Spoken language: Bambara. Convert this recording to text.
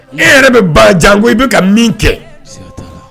E yɛrɛ bɛ ba jan ko i bɛ ka min kɛ